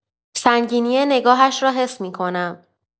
سنگینی نگاهش را حس می‌کنم.